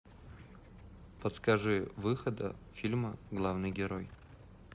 подскажи выхода фильма главный герой